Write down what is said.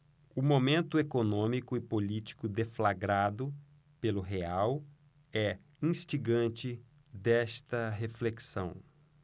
o momento econômico e político deflagrado pelo real é instigante desta reflexão